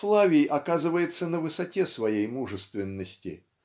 Флавий оказывается на высоте своей мужественности.